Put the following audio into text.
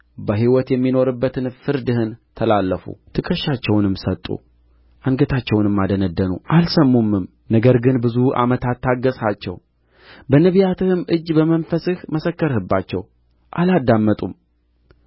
በሕይወት የሚኖርበትን ፍርድህን ተላለፉ ትከሻቸውንም ሰጡ አንገታቸውን አደነደኑ አልሰሙምም ነገር ግን ብዙ ዓመታት ታገሥሃቸው በነቢያትህም እጅ በመንፈስህ መሰከርህባቸው አላደመጡም